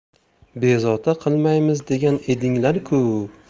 bezovta qilmaymiz degan edinglar ku